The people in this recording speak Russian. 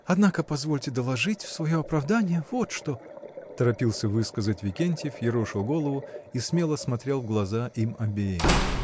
Однако позвольте доложить в свое оправдание вот что, — торопился высказать Викентьев, ерошил голову и смело смотрел в глаза им обеим.